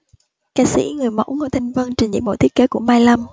ca sĩ người mẫu ngô thanh vân trình diễn mẫu thiết kế của mai lâm